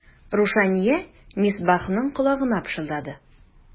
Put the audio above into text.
Рушания Мисбахның колагына пышылдады.